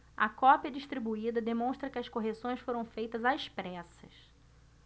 a cópia distribuída demonstra que as correções foram feitas às pressas